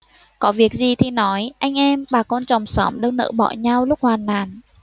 có việc gì thì nói anh em bà con chòm xóm đâu nỡ bỏ nhau lúc hoạn nạn